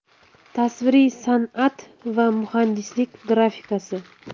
tasviriy san'at va muhandislik grafikasi